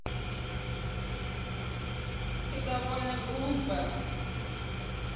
ты довольно глупая